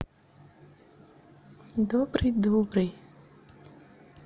добрый добрый